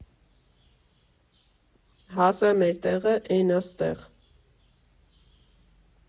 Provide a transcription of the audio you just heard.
Հասե մեր տեղը էնա ստեղ։